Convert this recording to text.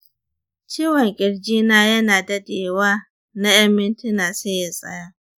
ciwon ƙirji na yana dade wa na ƴan mintina sai ya tsaya.